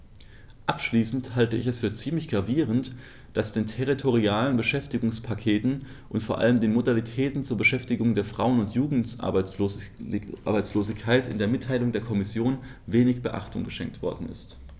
Abschließend halte ich es für ziemlich gravierend, dass den territorialen Beschäftigungspakten und vor allem den Modalitäten zur Bekämpfung der Frauen- und Jugendarbeitslosigkeit in der Mitteilung der Kommission wenig Beachtung geschenkt worden ist.